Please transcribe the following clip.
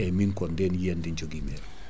eyyi min ko yiiyande joogui mi hen